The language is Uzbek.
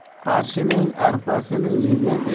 qarshining arpasini yegan